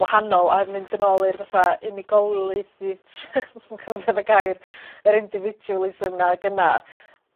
wahanol a mynd yn ôl i'r fatha unigolyddydd yn cofio be' odd y gair yr individualism 'na ag yna